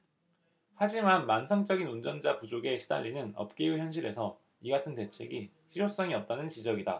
하지만 만성적인 운전자 부족에 시달리는 업계의 현실에서 이 같은 대책이 실효성이 없다는 지적이다